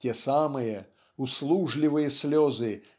те самые услужливые слезы